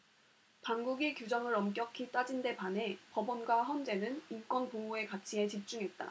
당국이 규정을 엄격히 따진 데 반해 법원과 헌재는 인권보호의 가치에 집중했다